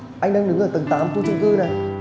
anh đang đứng ở tầng tám khu